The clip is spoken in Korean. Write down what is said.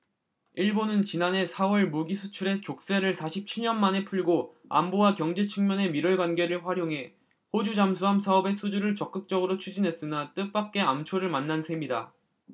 일본은 지난해 사 월 무기 수출의 족쇄를 사십 칠 년 만에 풀고 안보와 경제 측면의 밀월관계를 활용해 호주 잠수함 사업의 수주를 적극적으로 추진했으나 뜻밖의 암초를 만난 셈이다